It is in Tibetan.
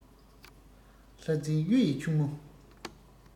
ལྷ རྫིང གཡུ ཡི ཕྱུག མོ